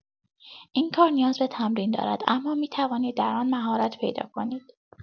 این کار نیاز به تمرین دارد، اما می‌توانید در آن مهارت پیدا کنید!